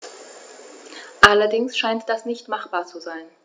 Allerdings scheint das nicht machbar zu sein.